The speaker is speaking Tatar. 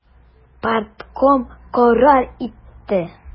Партком карар итте.